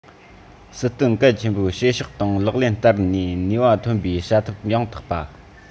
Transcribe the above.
སྲིད དོན གལ ཆེན པོའི བྱེད ཕྱོགས དང ལག ལེན བསྟར ནས ནུས པ ཐོན པའི བྱ ཐབས ཡང དག པ